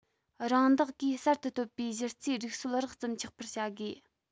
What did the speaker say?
རང བདག གིས གསར དུ གཏོད པའི གཞི རྩའི སྒྲིག སྲོལ རགས ཙམ ཆགས པར བྱ དགོས